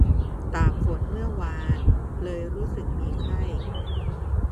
ตากฝนเมื่อวานเลยรู้สึกมีไข้